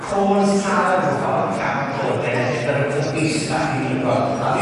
côns tal mewn ffordd llawn blode'n edrych fel ryw feth o bys bach unigol a fi